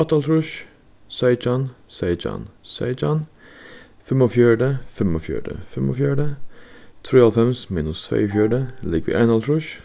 áttaoghálvtrýss seytjan seytjan seytjan fimmogfjøruti fimmogfjøruti fimmogfjøruti trýoghálvfems minus tveyogfjøruti ligvið einoghálvtrýss